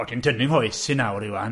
O, tin tynnu'n hoes i nawr Iwan?